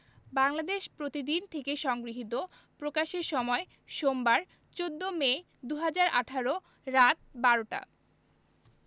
বাংলাদেশ প্রতিদিন থেকে সংগৃহীত প্রকাশের সময় সোমবার ১৪ মে ২০১৮ রাত ১২টা